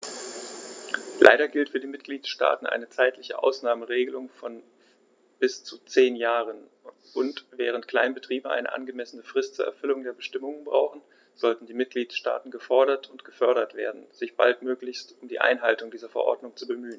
Leider gilt für die Mitgliedstaaten eine zeitliche Ausnahmeregelung von bis zu zehn Jahren, und, während Kleinbetriebe eine angemessene Frist zur Erfüllung der Bestimmungen brauchen, sollten die Mitgliedstaaten gefordert und gefördert werden, sich baldmöglichst um die Einhaltung dieser Verordnung zu bemühen.